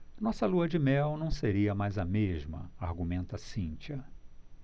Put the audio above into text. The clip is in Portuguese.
nossa lua-de-mel não seria mais a mesma argumenta cíntia